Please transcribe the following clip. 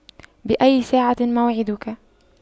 بأي ساعة موعدك